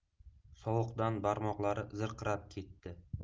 sovuqdan barmoqlari zirqirab ketdi